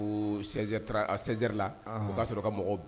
Ko sɛ asɛsɛri la u b'a sɔrɔ ka mɔgɔw bi